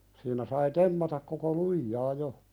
siinä sai temmata koko lujaa jo